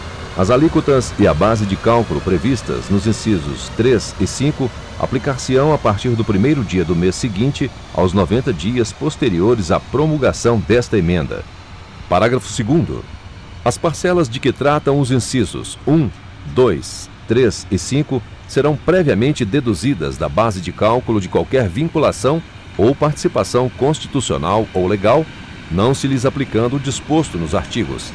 as alíquotas e a base de cálculo previstas nos incisos três e cinco aplicar se ão a partir do primeiro dia do mês seguinte aos noventa dias posteriores à promulgação desta emenda parágrafo segundo as parcelas de que tratam os incisos um dois três e cinco serão previamente deduzidas da base de cálculo de qualquer vinculação ou participação constitucional ou legal não se lhes aplicando o disposto nos artigos